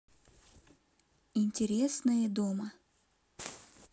интересные дома